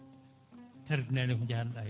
tardidani ko jahanno ɗa